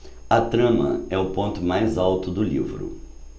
a trama é o ponto mais alto do livro